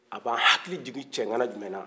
a b'an hakili jigin cɛgana jumɛn na